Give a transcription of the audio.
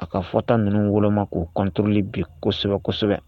A ka fɔta ninnu woloma k'u control kɛ kosɛbɛ, kosɛbɛ.